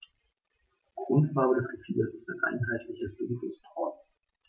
Grundfarbe des Gefieders ist ein einheitliches dunkles Braun.